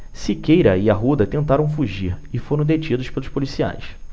siqueira e arruda tentaram fugir e foram detidos pelos policiais